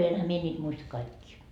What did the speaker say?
enhän minä niitä muista kaikkia